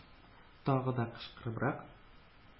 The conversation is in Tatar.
Тагы да кычкырыбрак: